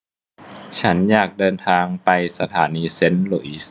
ฉันอยากเดินทางไปสถานีเซนต์หลุยส์